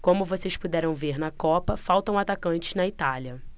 como vocês puderam ver na copa faltam atacantes na itália